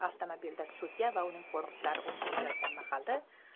avtomabilda sud'ya va uning qo'riqchilari o'tib ketayotgan mahalda